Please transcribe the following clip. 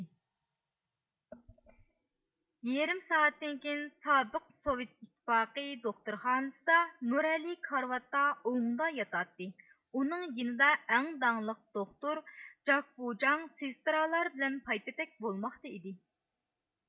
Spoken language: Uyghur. يېرىم سائەتتىن كېيىن سابىق سوۋېت ئىتتىپاقى دوختۇرخانىسىدا نۇرئەلى كارىۋاتتا ئوڭدا ياتاتتى ئۇنىڭ يېنىدا ئەڭ داڭلىق دوختۇر جاكبۇجاڭ سېستىرالار بىلەن پايپېتەك بولماقتا ئىدى